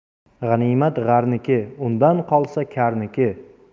g'animat g'arniki undan qolsa karniki